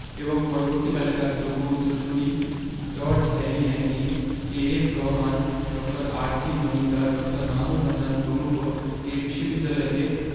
এবং পরবর্তীকালে তাঁর যোগ্য উত্তরসূরি George Harry Langley A F Rahman ড. আর.সি মজুমদার ড. মাহমুদ হাসান প্রমুখ এ বিশ্ববিদ্যালয়কে